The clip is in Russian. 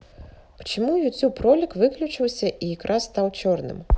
почему youtube ролик выключился и икра стал черным